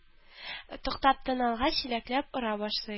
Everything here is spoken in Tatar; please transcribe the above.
Туктап тын алгач, чиләкләп ора башлый